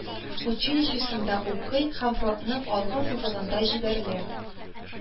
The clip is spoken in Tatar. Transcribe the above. Училищесында укый һәм фронтның алгы сызыгына җибәрелә